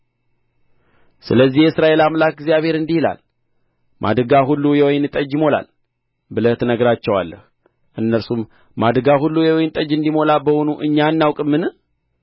ስለዚህ የእስራኤል አምላክ እግዚአብሔር እንዲህ ይላል ማድጋ ሁሉ የወይን ጠጅ ይሞላል ብለህ ትነግራቸዋለህ እነርሱም ማድጋ ሁሉ የወይን ጠጅ እንዲሞላ በውኑ እኛ አናውቅምን